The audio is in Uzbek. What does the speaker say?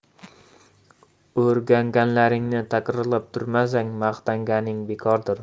o'rganganlaringni takrorlab turmasang maqtanganing bekordir